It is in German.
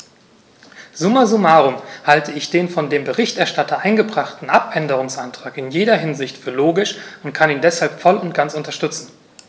Summa summarum halte ich den von dem Berichterstatter eingebrachten Abänderungsantrag in jeder Hinsicht für logisch und kann ihn deshalb voll und ganz unterstützen.